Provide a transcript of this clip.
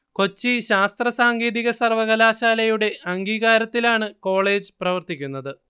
കൊച്ചി ശാസ്ത്ര സാങ്കേതിക സർവ്വകലാശാലയുടെ അംഗീകാരത്തിലാണ് കോളേജ് പ്രവർത്തിക്കുന്നത്